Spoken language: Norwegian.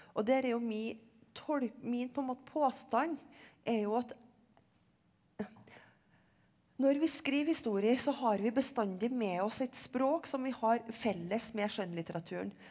og der er jo mi min på en måte påstand er jo at når vi skriver historie så har vi bestandig med oss et språk som vi har felles med skjønnlitteraturen.